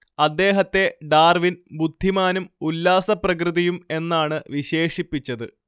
അദ്ദേഹത്തെ ഡാർവിൻ ബുദ്ധിമാനും ഉല്ലാസപ്രകൃതിയും എന്നാണ് വിശേഷിപ്പിച്ചത്